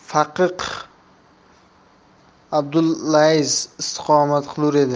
faqih abdullays istiqomat qilur edi